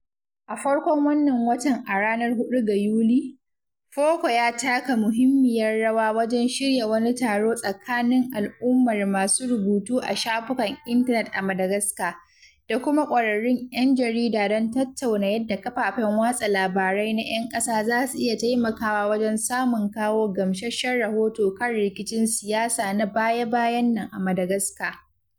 A farkon wannan watan (a ranar 4 ga Yuli),FOKO ya taka muhimmiyar rawa wajen shirya wani taro tsakanin al'ummar masu rubutu a shafukan intanet a Madagascar, da kuma ƙwararrun 'yan jarida don tattauna yadda kafafen watsa labarai na 'yan ƙasa za su iya taimakawa wajen samun kawo gamsasshen rahoto kan rikicin siyasa na baya-bayan nan a Madagascar.